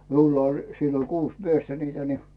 minulla oli silloin kuusi miestä niitä niin